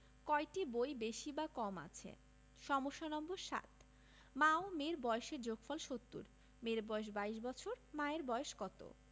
কয়টি বই বেশি বা কম আছে সমস্যা নম্বর ৭ মা ও মেয়ের বয়সের যোগফল ৭০ মেয়ের বয়স ২২ বছর মায়ের বয়স কত